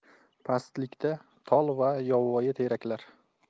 pastlikda tol va yovoyi teraklar